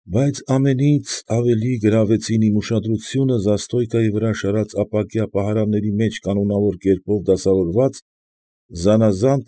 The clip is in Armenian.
Բայց ամենից ավելի գրավեցին իմ ուշադրությունը զաստոյկայի վրա շարած ապակյա պահարանների մեջ կանոնավոր կերպով դասավորված զանաղան։